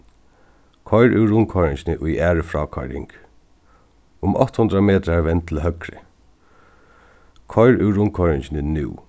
koyr úr rundkoyringini í aðru frákoyring um átta hundrað metrar vend til høgru koyr úr rundkoyringini nú